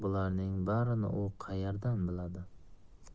u qayerdan biladi